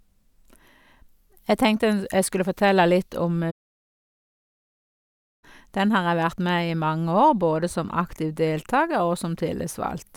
Jeg tenkte en jeg skulle fortelle litt om Den har jeg vært med i i mange år, både som aktiv deltager og som tillitsvalgt.